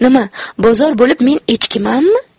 nima bozor bo'lib men echkimanmi